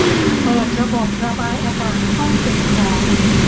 เปิดระบบระบายอากาศห้องเก็บของ